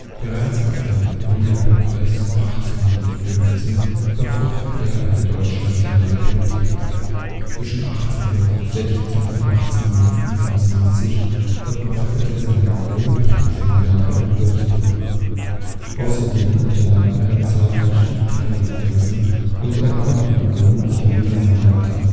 Bereits auf dem Wiener Kongress 1815 verfocht er eine deutsch-nationale Politik. Zwischen 1816 und 1825 verbrachte er seine Kronprinzenjahre in Würzburg. Außerdem unternahm er zahlreiche Italienreisen und erwarb in Rom die Villa Malta